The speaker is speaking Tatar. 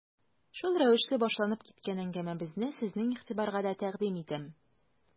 Шул рәвешле башланып киткән әңгәмәбезне сезнең игътибарга да тәкъдим итәм.